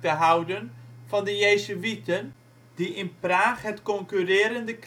houden van de jezuïeten, die in Praag het concurrerende